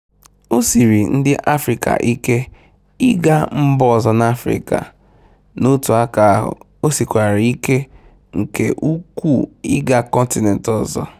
O siiri ndị Afrịka ike ịga mba ọzọ n'Afrịka — n'otu aka ahụ, o sịkwara ike nke ukwuu ịga kọntinent ọzọ.